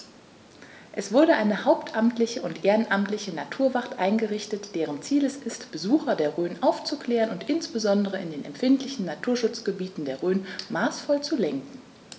Es wurde eine hauptamtliche und ehrenamtliche Naturwacht eingerichtet, deren Ziel es ist, Besucher der Rhön aufzuklären und insbesondere in den empfindlichen Naturschutzgebieten der Rhön maßvoll zu lenken.